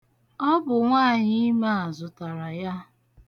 Ọ bụ nwaànyị̀ime a zụtara ya.